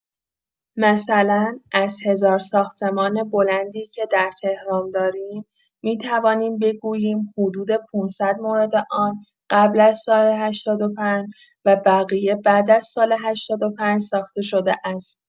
مثلا از هزار ساختمان بلندی که در تهران داریم، می‌توانیم بگوییم حدود ۵۰۰ مورد آن قبل از سال ۸۵ و بقیه بعد از سال ۸۵ ساخته شده است.